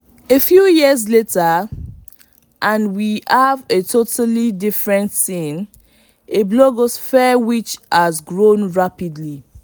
A few years later, and we have a totally different scene – a blogosphere which has grown rapidly.